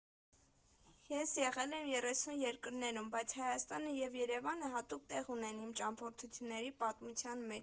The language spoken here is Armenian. Ես եղել եմ երեսուն երկրներում, բայց Հայաստանը և Երևանը հատուկ տեղ ունեն իմ ճամփորդությունների պատմության մեջ։